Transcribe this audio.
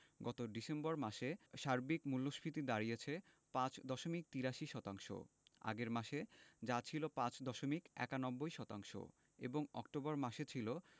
গত ডিসেম্বর মাসে সার্বিক মূল্যস্ফীতি দাঁড়িয়েছে ৫ দশমিক ৮৩ শতাংশ আগের মাসে যা ছিল ৫ দশমিক ৯১ শতাংশ এবং অক্টোবর মাসে ছিল